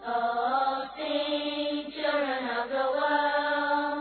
chant